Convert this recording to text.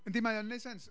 Yndi, mae o yn wneud sense.